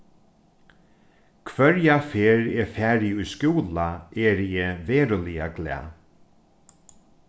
hvørja ferð eg fari í skúla eri eg veruliga glað